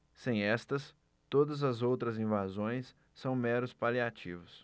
sem estas todas as outras invasões são meros paliativos